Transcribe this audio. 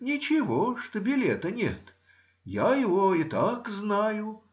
Ничего, что билета нет,— я его и так знаю